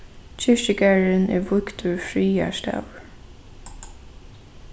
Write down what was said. kirkjugarðurin er vígdur friðarstaður